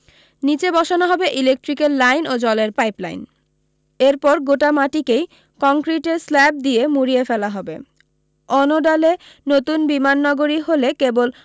নীচে বসানো হবে ইলেকট্রিকের লাইন ও জলের পাইপ লাইন এরপর গোটা মাঠটিকেই কংক্রিটের স্ল্যাব দিয়ে মুড়িয়ে ফেলা হবে অণডালে নতুন বিমাননগরী হলে কেবল